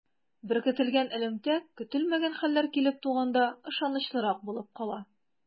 Беркетелгән элемтә көтелмәгән хәлләр килеп туганда ышанычлырак булып кала.